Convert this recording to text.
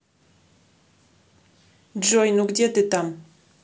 джой ну где ты там